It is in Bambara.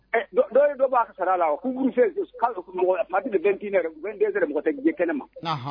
Dɔw dɔ b'a ka sara la' mɔgɔ tɛ diɲɛ kɛnɛ ma